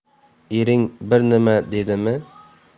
ering bir nima dedimi